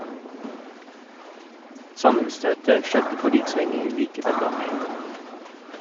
Sammenstøtet skjedde på riksvei 9 like ved Langeid.